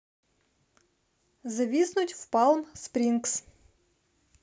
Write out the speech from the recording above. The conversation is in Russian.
зависнуть в палм спрингс